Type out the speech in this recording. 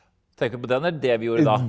tenker du på den eller det vi gjorde da?